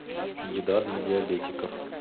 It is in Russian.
еда для диабетиков